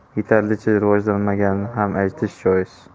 hali beri yetarlicha rivojlanmaganini ham aytish joiz